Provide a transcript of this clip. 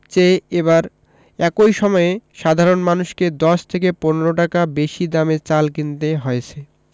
চেয়ে এবার একই সময়ে সাধারণ মানুষকে ১০ থেকে ১৫ টাকা বেশি দামে চাল কিনতে হয়েছে